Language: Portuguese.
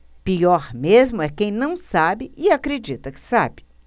pior mesmo é quem não sabe e acredita que sabe